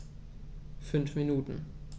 5 Minuten